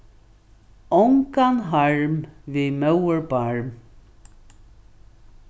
ongan harm við móðurbarm